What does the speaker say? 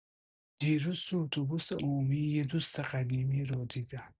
دیروز تو اتوبوس عمومی یه دوست قدیمی رو دیدم.